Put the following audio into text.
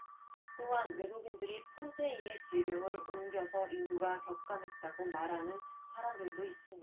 또한 외국인들이 폰페이에 질병을 옮겨서 인구가 격감했다고 말하는 사람들도 있습니다